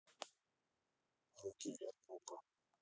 руки вверх группа